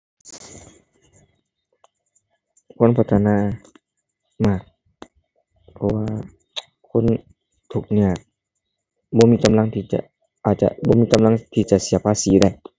ควรพัฒนามาก เพราะว่า คนทุกข์ยากบ่มีกำลังที่จะ อาจจะบ่มีกำลังที่จะเสียภาษีได้